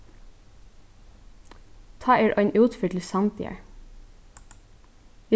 tá er ein útferð til sandoyar